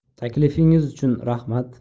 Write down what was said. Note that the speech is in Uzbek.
taklifingiz uchun uchun rahmat